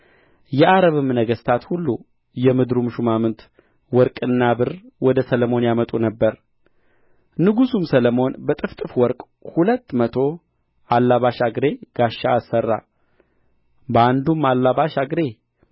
የዓረብም ነገሥታት ሁሉ የምድሩም ሹማምት ወርቅና ብር ወደ ሰሎሞን ያመጡ ነበር ንጉሡም ሰሎሞን በጥፍጥፍ ወርቅ ሁለት መቶ አላባሽ አግሬ ጋሻ አሠራ በአንዱም አላባሽ አግሬ